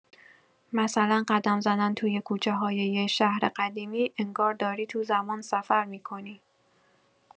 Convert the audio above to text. مثلا قدم زدن توی کوچه‌های یه شهر قدیمی، انگار داری تو زمان سفر می‌کنی.